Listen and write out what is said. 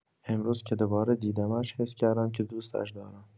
امروز که دوباره دیدمش، حس کردم که دوستش دارم.